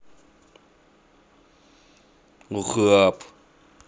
ох и апп